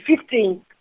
fifteen .